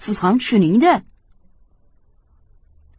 siz ham tushuning da